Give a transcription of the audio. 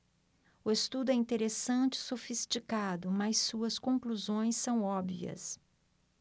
o estudo é interessante e sofisticado mas suas conclusões são óbvias